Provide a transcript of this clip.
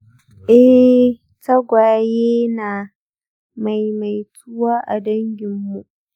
eh, tagwaye na maimaituwa a dangin mu